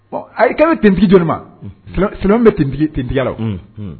A i kan bɛ tenue tigi jumɛ de ma? Solomani bi tenue tigiya la wo.